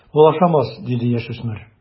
Ул ашамас, - диде яшүсмер.